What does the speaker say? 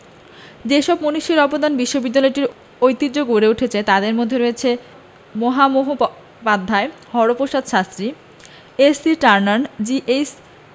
যেসব মনীষীর অবদানে বিশ্ববিদ্যালয়টির ঐতিহ্য গড়ে উঠেছে তাঁদের মধ্যে রয়েছেন Mahamahopadhyay Haraprasad Shastri A C Turner G H